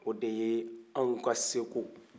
o de ye anw ka seko